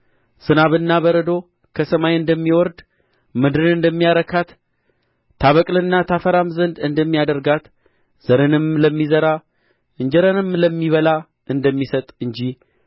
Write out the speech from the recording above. ዝናብና በረዶ ከሰማይ እንደሚወርድ ምድርን እንደሚያረካት ታበቅልና ታፈራም ዘንድ እንደሚያደርጋት ዘርንም ለሚዘራ እንጀራንም ለሚበላ እንደሚሰጥ እንጂ